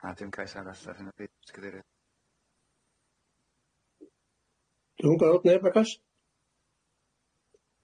Na dim cais arall ar hyn o bryd, Is-Gadeirydd. Nagoes?